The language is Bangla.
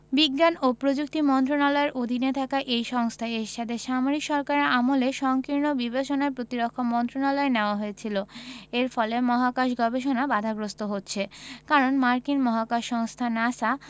বিজ্ঞান ও প্রযুক্তি মন্ত্রণালয়ের অধীনে থাকা এই সংস্থা এরশাদের সামরিক সরকারের আমলে সংকীর্ণ বিবেচনায় প্রতিরক্ষা মন্ত্রণালয়ে নেওয়া হয়েছিল এর ফলে মহাকাশ গবেষণা বাধাগ্রস্ত হচ্ছে কারণ মার্কিন মহাকাশ সংস্থা নাসা